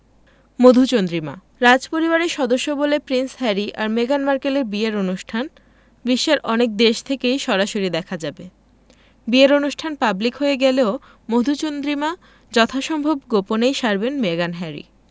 মধুচন্দ্রিমা রাজপরিবারের সদস্য বলে প্রিন্স হ্যারি আর মেগান মার্কেলের বিয়ের অনুষ্ঠান বিশ্বের অনেক দেশ থেকেই সরাসরি দেখা যাবে বিয়ের অনুষ্ঠান পাবলিক হয়ে গেলেও মধুচন্দ্রিমা যথাসম্ভব গোপনেই সারবেন মেগান হ্যারি